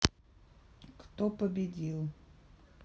кто победил